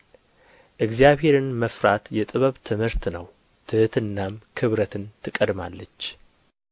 እግዚአብሔርን መፍራት የጥበብ ትምህርት ነው ትሕትናም ክብረትን ትቀድማለች